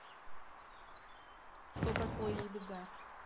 что такое ебеда